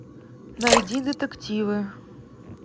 найди детективы